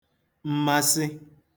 mmasị